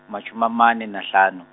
matjhumi amane, nahlanu.